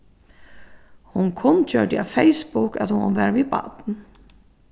hon kunngjørdi á facebook at hon var við barn